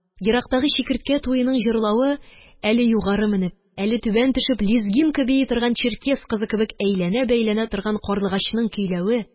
Ерактагы чикерткә туеның йырлавы әле югары менеп, әле түбән төшеп лезгинга бии торган чиркес кызы кебек әйләнә-бәйләнә торган карлыгачның көйләве